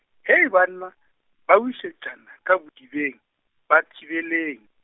Hei banna, ba wišetšana ka bodibeng, ba thibeleng.